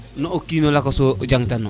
no o kino lakaso jang tano